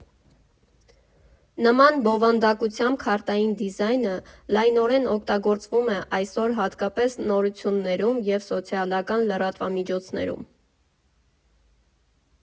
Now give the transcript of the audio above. Նման բովանդակությամբ քարտային դիզայնը լայնորեն օգտագործվում է այսօր, հատկապես նորություններում և սոցիալական լրատվամիջոցներում։